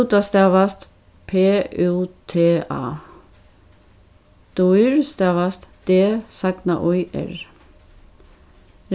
púta stavast p ú t a dýr stavast d ý r